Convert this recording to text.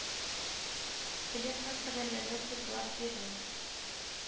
Белем һәм һөнәрләрне цикллап бирү